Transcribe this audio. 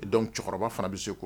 Donc cɛkɔrɔba fana bɛ se ko